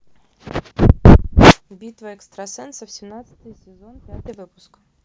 битва экстрасенсов семнадцатый сезон пятый выпуск